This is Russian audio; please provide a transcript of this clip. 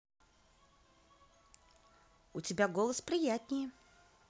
у тебя голос приятнее